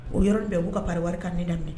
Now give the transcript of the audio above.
O y yɔrɔ bɛ'u ka wari ka ne lamɛn